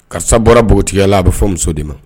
Karisa bɔra npogotigiya la, a bɛ fɔ muso de ma.